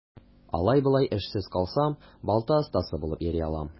Алай-болай эшсез калсам, балта остасы булып йөри алам.